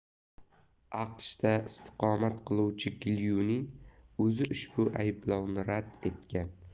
aqshda istiqomat qiluvchi gyulenning o'zi ushbu ayblovni rad etgan